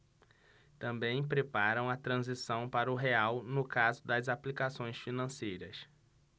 também preparam a transição para o real no caso das aplicações financeiras